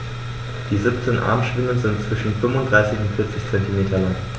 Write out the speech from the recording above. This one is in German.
Die 17 Armschwingen sind zwischen 35 und 40 cm lang.